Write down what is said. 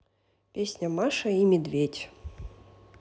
песня маша и медведь